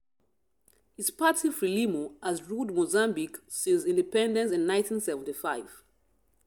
His party Frelimo has ruled Mozambique since independence in 1975.